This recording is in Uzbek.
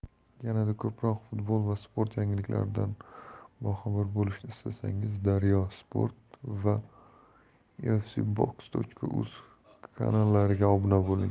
yanada ko'proq futbol va sport yangiliklaridan boxabar bo'lishni istasangiz daryo sport va ufcboxuz kanallariga obuna bo'ling